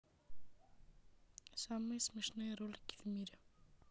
самые смешные ролики в мире